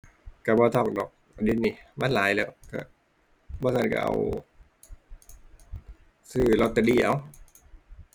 ก็บ่ต้องดอก เดี๋ยวนี้มันหลายแล้ว ก็ บ่ซั้นก็เอา ซื้อลอตเตอรี่ เอ้า